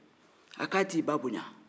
a k'a ti ba boyan